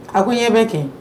A ko i ɲɛ bɛ kɛ